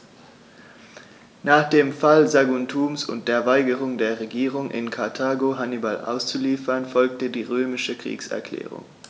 Nach dem Fall Saguntums und der Weigerung der Regierung in Karthago, Hannibal auszuliefern, folgte die römische Kriegserklärung.